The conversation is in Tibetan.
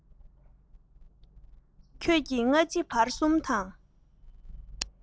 ཁྱོད ཀྱིས སྔ ཕྱི བར གསུམ དང